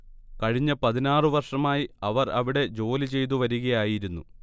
കഴിഞ്ഞ പതിനാറ് വർഷമായി അവർഅവിടെ ജോലി ചെയ്ത് വരുകയായിരുന്നു